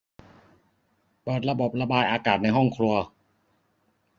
เปิดระบบระบายอากาศในห้องครัว